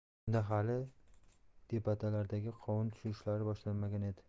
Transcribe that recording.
unda hali debatlardagi qovun tushirishlar boshlanmagan edi